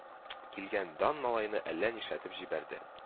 Килгән дан малайны әллә нишләтеп җибәрде